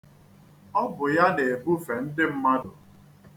Ọ bụ ya na-ebufe ndị mmadụ.